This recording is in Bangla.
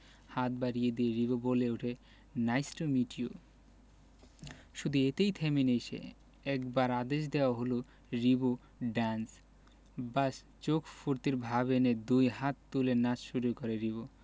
হাত বাড়িয়ে দিয়ে রিবো বলে উঠে নাইস টু মিট ইউ শুধু এতেই থেমে নেই সে একবার আদেশ দেওয়া হলো রিবো ড্যান্স ব্যাস চোখে ফূর্তির ভাব এনে দুই হাত তুলে নাচ শুরু করে রিবো